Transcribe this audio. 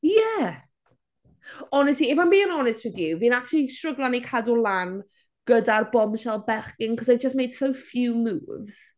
Ie. Honestly if I'm being honest with you fi'n acshyli stryglan i cadw lan gyda'r bombshell bechgyn cos they've just made so few moves.